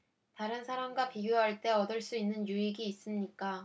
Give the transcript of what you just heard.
다른 사람과 비교할 때 얻을 수 있는 유익이 있습니까